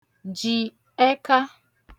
jì ẹka